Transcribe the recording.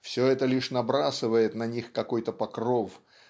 все это лишь набрасывает на них какой-то покров